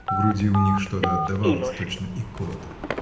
в груди у них что-то отдавалось, точно икота.